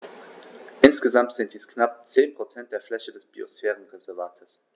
Insgesamt sind dies knapp 10 % der Fläche des Biosphärenreservates.